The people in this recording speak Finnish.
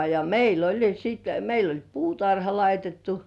ja meillä oli sitten meillä oli puutarha laitettu